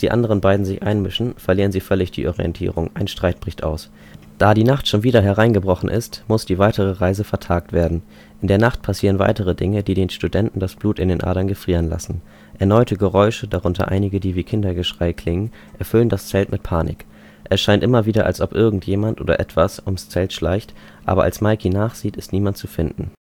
anderen beiden sich einmischen, verlieren sie völlig die Orientierung, ein Streit bricht aus. Da die Nacht schon wieder hereingebrochen ist, muss die weitere Reise vertagt werden. In der Nacht passieren weitere Dinge, die den Studenten das Blut in den Adern gefrieren lassen: Erneute Geräusche, darunter einige, die wie Kindergeschrei klingen, erfüllen das Zelt mit Panik. Es scheint immer wieder, als ob irgendjemand oder - etwas ums Zelt schleicht, aber als Mike nachsieht, ist niemand zu finden